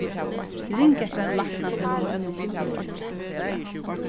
ring eftir einum lækna til mín